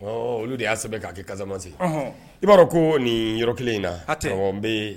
Olu de y'a sɛbɛn k'a kɛ Casamence ye, ɔnhɔn,i b'a dɔn ko nin yɔrɔ kelen in na, hatɛ, ɔ n bɛ